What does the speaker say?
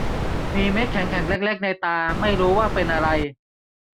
มีเม็ดแข็งแข็งเล็กเล็กในตาไม่รู้ว่าเป็นอะไร